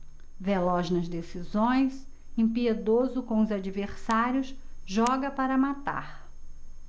veloz nas decisões impiedoso com os adversários joga para matar